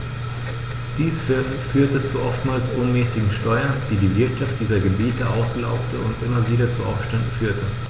Dies führte zu oftmals unmäßigen Steuern, die die Wirtschaft dieser Gebiete auslaugte und immer wieder zu Aufständen führte.